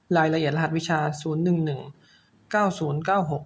รายละเอียดรหัสวิชาศูนย์หนึ่งหนึ่งเก้าศูนย์เก้าหก